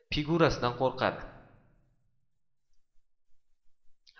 pigurasidan qo'rqadi